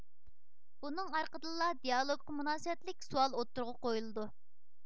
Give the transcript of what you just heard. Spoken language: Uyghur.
بۇنىڭ ئارقىدىنلا دىئالوگقا مۇناسىۋەتلىك سوئال ئوتتۇرىغا قويۇلىدۇ